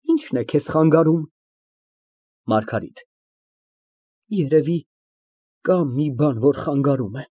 Ի՞նչն է քեզ խանգարում։ ՄԱՐԳԱՐԻՏ ֊ Երևի, կա մի բան, որ խանգարում է։